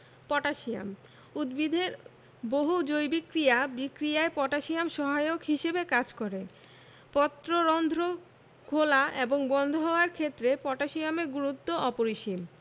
potassium উদ্ভিদের বহু জৈবিক ক্রিয়া বিক্রিয়ায় পটাশিয়াম সহায়ক হিসেবে কাজ করে পত্ররন্ধ্র খেলা এবং বন্ধ হওয়ার ক্ষেত্রে পটাশিয়ামের গুরুত্ব অপরিসীম